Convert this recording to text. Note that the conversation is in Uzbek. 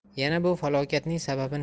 yana bu falokatning sababini